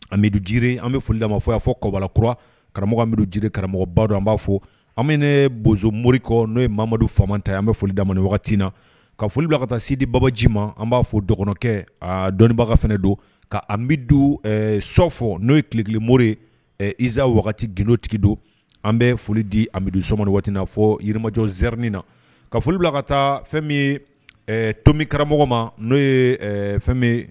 Jiri an bɛ foli ma fɔ'a fɔ kɔbalakura karamɔgɔ jiri karamɔgɔba don an b'a fɔ an bɛ ne bozomo kɔ n'o yemadu fa ta an bɛ foli dam wagati na ka foli ka taa sidi babaji ma an b'a fɔ dɔgɔnkɔnɔkɛ dɔnniibaga fana don ka an bɛ sɔ fɔ n'o ye tilekilimo yezsaa wagati glotigi don an bɛ foli di amidu som waatiina fɔ yirimajɔ zɛrni na ka foli bila ka taa fɛn ye tomikara ma n'o ye fɛn